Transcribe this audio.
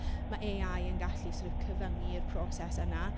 Mae AI yn gallu sort of cyfyngu y proses yna.